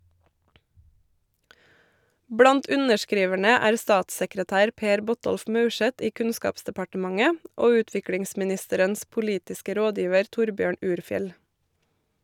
Blant underskriverne er statssekretær Per Botolf Maurseth i Kunnskapsdepartementet og utviklingsministerens politiske rådgiver Torbjørn Urfjell.